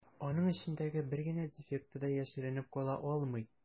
Аның эчендәге бер генә дефекты да яшеренеп кала алмый.